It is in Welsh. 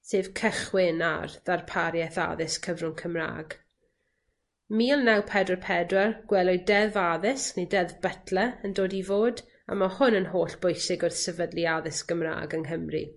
sef cychwyn ar ddarparieth addysg cyfrwng Cymra'g. Mil naw pedwar pedwar gwelwyd Deddf Addysg neu Deddf Butler yn dod i fod, a ma' hwn yn hollbwysig wrth sefydlu addysg Gymra'g yng Nghymru.